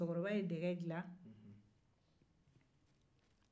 mukɔrɔba ye dɛgɛ dila